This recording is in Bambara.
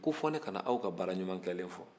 ko fo ne kana aw ka baaraɲuman kɛlen fɔ